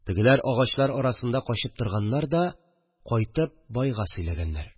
Тегеләр агачлар арасында качып торганнар да кайтып байга сөйләгәннәр